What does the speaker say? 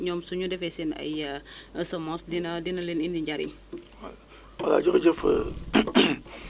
à notre niveau ñun dañu jàpp que ni li ñuy produire nii c' est une information climatique bi nga xamante ni ñun bu ñu ko dencee ci suñu bopp